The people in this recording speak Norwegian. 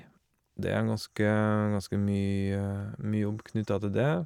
Det er en ganske ganske mye mye jobb knytta til det.